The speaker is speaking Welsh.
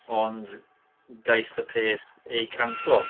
Ond gaeth y peth ei canslo.